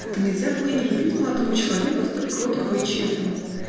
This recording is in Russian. да нельзя было и не любить молодого человека столь кроткого и честного.